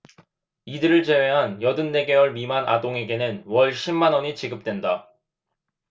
이들을 제외한 여든 네 개월 미만 아동에게는 월 십 만원이 지급된다